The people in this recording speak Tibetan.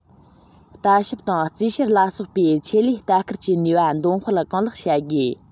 ལྟ ཞིབ དང རྩིས བཤེར ལ སོགས པའི ཆེད ལས ལྟ སྐུལ གྱི ནུས པ འདོན སྤེལ གང ལེགས བྱ དགོས